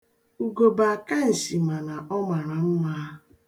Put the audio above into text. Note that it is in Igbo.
Ugo bụ akanshị mana ọ mara mma.